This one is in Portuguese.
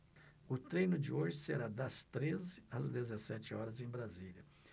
o treino de hoje será das treze às dezessete horas em brasília